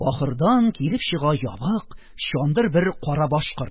Ахырдан килеп чыга ябык, чандыр, бер кара башкорт.